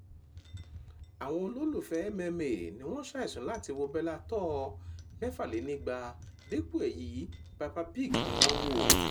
Àwọn olólùfẹ́ MMA ní wọ́n sàìsùn láti wo Bellator 206, dípò èyí Peppa Pig ní wọ́n wò